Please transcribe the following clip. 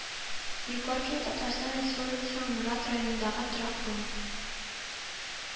Егоркино Татарстан Республикасының Норлат районындагы торак пункт